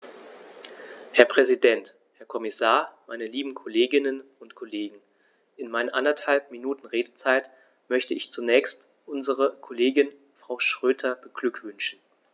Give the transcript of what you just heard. Herr Präsident, Herr Kommissar, meine lieben Kolleginnen und Kollegen, in meinen anderthalb Minuten Redezeit möchte ich zunächst unsere Kollegin Frau Schroedter beglückwünschen.